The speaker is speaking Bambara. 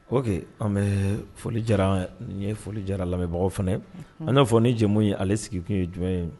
Koke an bɛ foli diyara ye foli jara lamɛnbagaw fana an'a fɔ ni jamumu ye ale sigikun ye jɔn ye